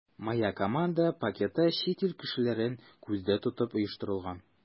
“моя команда” пакеты чит ил кешеләрен күздә тотып оештырылган.